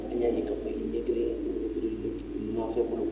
A' nin ka fɔ ye ne don mɔgɔ kɔnɔ